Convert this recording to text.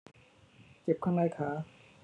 เจ็บข้างในขา